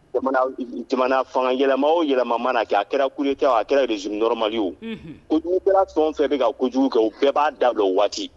Jamanaw jamana fanga yɛlɛma o yɛlɛma mana kɛ a kɛrɛ coup d'Etat a a kɛrɛ régime normal ye o unhun kojugu kɛla fɛn o fɛn be ka kojugu kɛ u bɛ b'a dabila o waati